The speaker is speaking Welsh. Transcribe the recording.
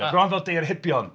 Bron fel diharebion.